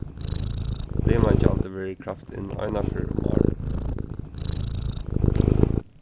limagjaldið verður kravt inn eina ferð um árið